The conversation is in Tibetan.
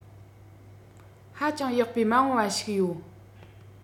ཧ ཅང ཡག པའི མ འོངས ཞིག ཡོད